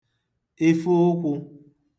ife ụkwụ̄